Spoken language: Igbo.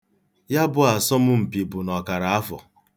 Ya bụ asọmpi bụ n'ọkaraafọ.